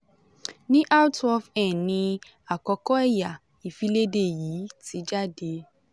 Ní r12n ni àkọ́kọ́ ẹ̀yà ìfiléde yìí ti jáde